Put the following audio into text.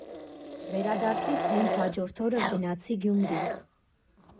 Վերադարձիս հենց հաջորդ օրը գնացի Գյումրի։